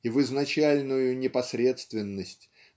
И в изначальную непосредственность